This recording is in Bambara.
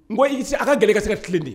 I tɛ a ka gɛlɛ kasɛgɛ tilen di